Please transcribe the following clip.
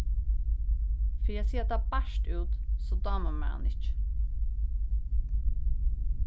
fyri at siga tað bart út so dámar mær hann ikki